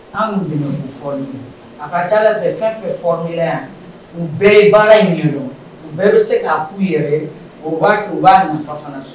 An b'u former a ka caa allah fɛn fɛ fomer la yan nin bɛɛ ye baara in ɲɛdon , u bɛɛ bɛ se k''u yɛrɛ ye, u b'a kɛ wa u b'a nafa sɔrɔ